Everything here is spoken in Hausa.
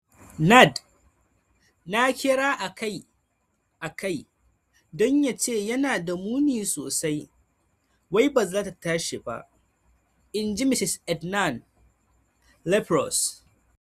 "Nad na kira a kai a kai don ya ce yana da muni sosai, wai bazata tashi ba," in ji Mrs Ednan-Laperouse.